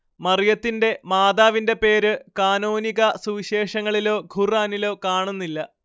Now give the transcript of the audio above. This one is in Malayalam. മറിയത്തിന്റെ മാതാവിന്റെ പേരു കാനോനിക സുവിശേഷങ്ങളിലോ ഖുർആനിലോ കാണുന്നില്ല